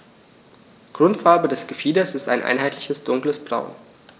Grundfarbe des Gefieders ist ein einheitliches dunkles Braun.